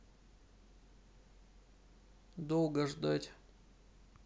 долго ждать